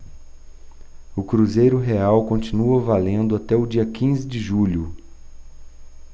o cruzeiro real continua valendo até o dia quinze de julho